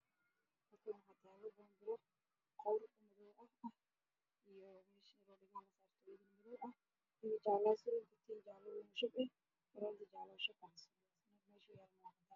Waa boombalo midabkiisa yahay madow